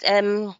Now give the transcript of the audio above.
yym